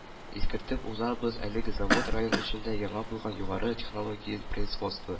Искәртеп узабыз, әлеге завод – район өчен яңа булган югары технологияле производство